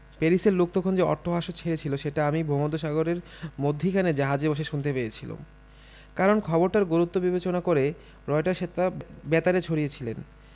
প্যারিসের লোক তখন যে অট্টহাস্য ছেড়েছিল সেটা আমি ভূমধ্যসাগরের মধ্যিখানে জাহাজে বসে শুনতে পেয়েছিলুম কারণ খবরটার গুরুত্ব বিবেচনা করে রয়টার সেটা বেতারে ছড়িয়েছিলেন